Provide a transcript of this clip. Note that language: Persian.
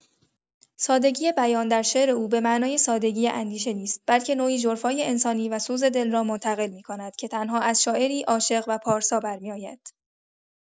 سادگی بیان در شعر او به معنای سادگی اندیشه نیست، بلکه نوعی ژرفای انسانی و سوز دل را منتقل می‌کند که تنها از شاعری عاشق و پارسا برمی‌آید.